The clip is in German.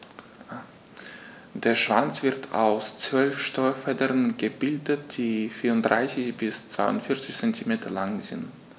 Der Schwanz wird aus 12 Steuerfedern gebildet, die 34 bis 42 cm lang sind.